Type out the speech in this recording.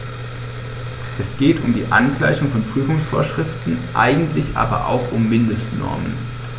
Es geht um die Angleichung der Prüfungsvorschriften, eigentlich aber auch um Mindestnormen.